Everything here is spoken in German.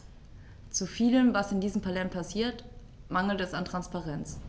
Zu vielem, was in diesem Parlament passiert, mangelt es an Transparenz.